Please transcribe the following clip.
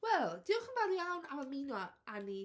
Wel diolch yn fawr iawn am ymuno â ni...